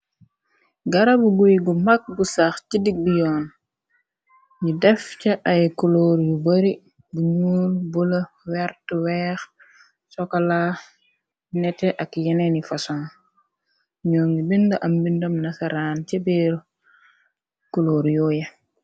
garab guy gu mag bu sax ci digbi yoon ñi def ca ay kuloor yu bari bu nuul bu la wertu weex sokala nete ak yeneeni fason ñoo ngi bind am mbindam na saraan ce beer kuloor yooye